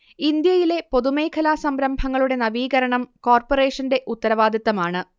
ഇന്ത്യയിലെ പൊതുമേഖലാ സംരംഭങ്ങളുടെ നവീകരണം കോർപ്പറേഷന്റെ ഉത്തരവാദിത്തമാണ്